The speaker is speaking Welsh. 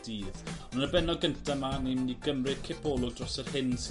dydd. Yn y bennod gynta 'ma ni myn' i gymryd gipolwg dros y hyn sydd